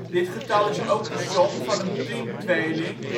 Dit getal is ook de som van een priemtweeling